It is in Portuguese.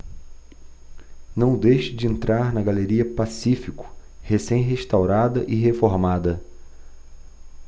não deixe de entrar na galeria pacífico recém restaurada e reformada